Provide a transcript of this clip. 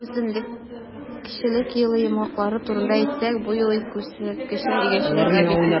Үсемлекчелек елы йомгаклары турында әйтсәк, бу ел күрсәткечләре - игенчелеккә объектив бәя.